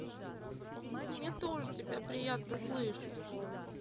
мне тоже тебя приятно слышать